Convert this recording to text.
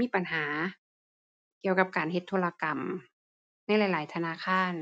มีปัญหาเกี่ยวกับการเฮ็ดธุรกรรม ในหลายหลายธนาคาร